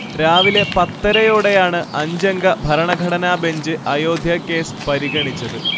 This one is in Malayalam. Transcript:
രാവിലെ പത്തരയോടെയാണ് അഞ്ചംഗ ഭരണഘടനാബഞ്ച് അയോധ്യ കേസ് പരിഗണിച്ചത്